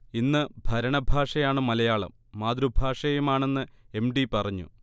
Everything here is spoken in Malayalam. ഇന്ന്ഭരണഭാഷയാണ് മലയാളം, മാതൃഭാഷയുമാണെന്ന് എം. ടി പറഞ്ഞു